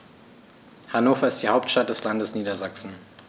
Hannover ist die Hauptstadt des Landes Niedersachsen.